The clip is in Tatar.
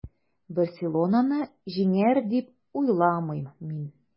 “барселона”ны җиңәр, дип уйламыйм мин.